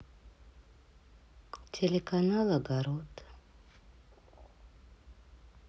телеканал огород